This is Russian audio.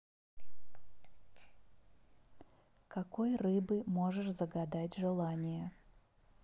какой рыбы можешь загадать желание